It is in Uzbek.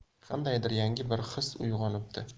qandaydir yangi bir his uyg'onibdi